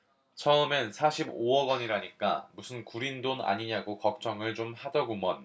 처음엔 사십 오 억원이라니까 무슨 구린 돈 아니냐고 걱정을 좀 하더구먼